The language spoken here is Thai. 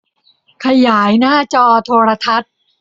ขยายหน้าจอโทรทัศน์